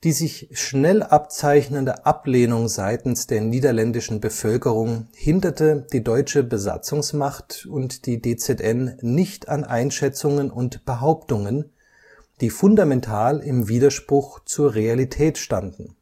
sich schnell abzeichnende Ablehnung seitens der niederländischen Bevölkerung hinderte die deutsche Besatzungsmacht und die DZN nicht an Einschätzungen und Behauptungen, die fundamental im Widerspruch zur Realität standen